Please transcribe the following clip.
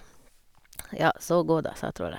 Ja, så gå, da, sa trollet.